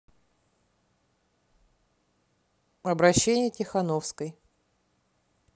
обращение тихановской